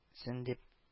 Сен дип